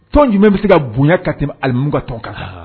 Tɔnon jumɛn bɛ se ka bonya ka tɛmɛ alimu ka tɔn kan